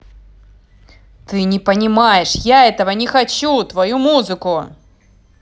ты понимаешь я этого не хочу твою музыку